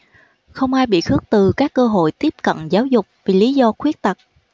không ai bị khước từ các cơ hội tiếp cận giáo dục vì lý do khuyết tật